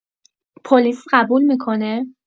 پلیس قبول می‌کنه؟